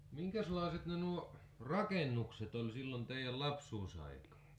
minkäslaiset ne nuo rakennukset oli silloin teidän lapsuusaikaan